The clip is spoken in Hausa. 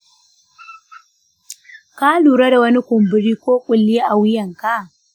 ka lura da wani kumburi ko ƙulli a wuyanka?